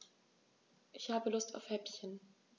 Ich habe Lust auf Häppchen.